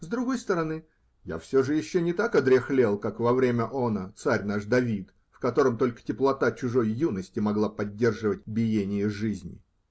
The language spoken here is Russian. с другой стороны, я все же еще не так одряхлел, как во время оно царь наш Давид, в котором только теплота чужой юности могла поддерживать биение жизни.